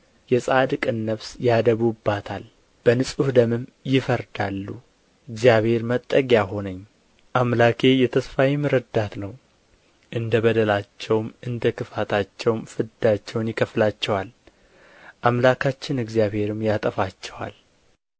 የጻድቅን ነፍስ ያደቡባታል በንጹሕ ደምም ይፈርዳሉ እግዚአብሔር መጠጊያ ሆነኝ አምላኬ የተስፋዬም ረዳት ነው እንደ በደላቸውም እንደ ክፋታቸውም ፍዳቸውን ይከፍላቸዋል አምላካችን እግዚአብሔርም ያጠፋቸዋል